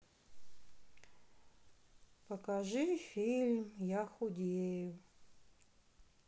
покажи фильм я худею